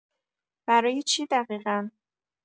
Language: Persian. برای چی دقیقا؟